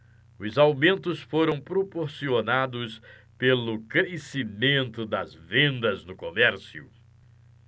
os aumentos foram proporcionados pelo crescimento das vendas no comércio